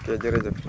ok jërëjëf